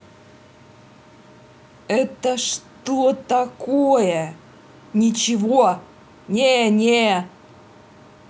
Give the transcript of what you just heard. это что такое ничего не не